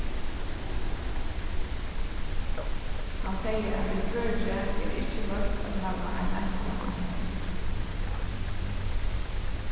hann segði at í svøríki er ikki loyvt at hava ein einsamallan hest